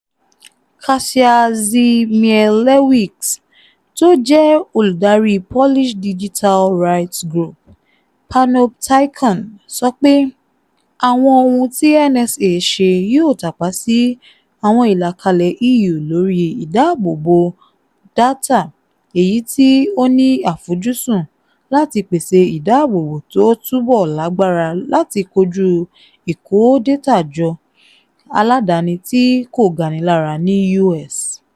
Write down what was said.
Kasia Szymielewicz, tó jẹ́ olùdarí Polish digital rights group Panoptykon sọ pe, àwọn ohun tí NSA ṣe yóò tàpá sí àwọn ìlàkalẹ̀ EU lóri ìdáàbòbò data, èyí tí ó ní àfojúsùn láti pèsè ìdáàbòbò tó tùbọ̀ làgbára láti kojú ìkó data jọ aládani tí kò ganilára ní US